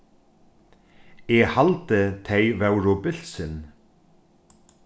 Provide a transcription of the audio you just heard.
eg haldi tey vóru bilsin